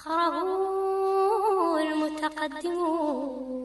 San mɔgɛnin yo